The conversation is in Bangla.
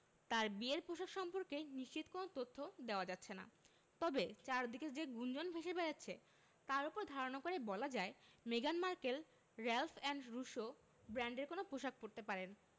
তাঁর বিয়ের পোশাক সম্পর্কে নিশ্চিত কোনো তথ্য দেওয়া যাচ্ছে না তবে চারদিকে যে গুঞ্জন ভেসে বেড়াচ্ছে তার ওপর ধারণা করে বলা যায় মেগান Markle Ralph and Russo ব্র্যান্ডের কোনো পোশাক পরতে পারেন